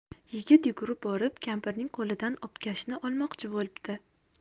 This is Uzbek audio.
yigit yugurib borib kampirning qo'lidan obkashni olmoqchi bo'libdi